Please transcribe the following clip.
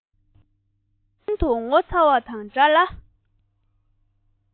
ཙི ཙི ཕོ དེ ཤིན ཏུ ངོ ཚ བ དང འདྲ ལ